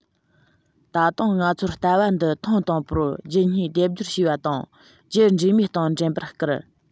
ད དུང ང ཚོར ལྟ བ འདི ཐེངས དང པོར རྒྱུད གཉིས སྡེབ སྦྱོར བྱས པ དང རྒྱུད འདྲེས མའི སྟེང འདྲེན པར བསྐུལ